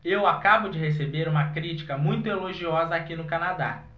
eu acabo de receber uma crítica muito elogiosa aqui no canadá